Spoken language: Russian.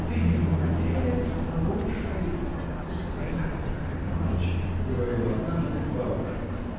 — Ты ему о деле, а он шалит: пустота какая — мальчик! — говорила однажды бабушка.